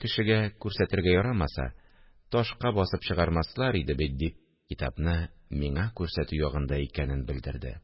Кешегә күрсәтергә ярамаса, ташка басып чыгармаслар иде бит, – дип, китапны миңа күрсәтү ягында икәнен белдерде